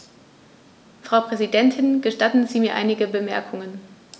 Frau Präsidentin, gestatten Sie mir einige Bemerkungen.